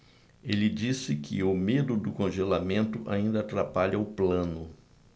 ele disse que o medo do congelamento ainda atrapalha o plano